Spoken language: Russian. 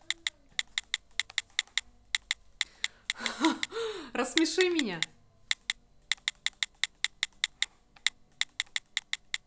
рассмеши меня